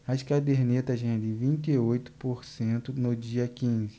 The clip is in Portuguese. as cadernetas rendem vinte e oito por cento no dia quinze